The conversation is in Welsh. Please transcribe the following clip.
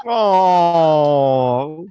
O!